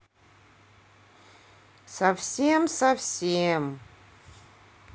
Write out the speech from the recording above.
совсем совсем